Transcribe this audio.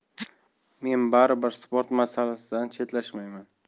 men baribir sport masalasidan chetlashmayman